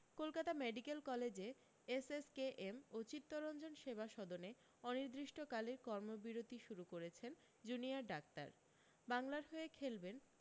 Kolkata medical কলেজে SSKM ও চিত্তরঞ্জন সেবা সদনে অনির্দিষ্টকালের কর্মবিরতি শুরু করেছেন জুনিয়ার ডাক্তার বাংলার হয়ে খেলবেন